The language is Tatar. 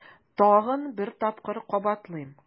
Тагын бер тапкыр кабатлыйм: